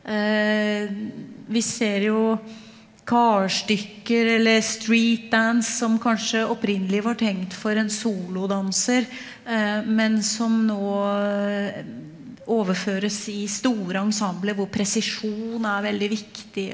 vi ser jo karstykker eller streetdance som kanskje opprinnelig var tenkt for en solodanser, men som nå overføres i store ensembler hvor presisjon er veldig viktig.